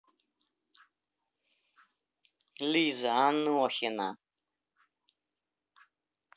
лиза анохина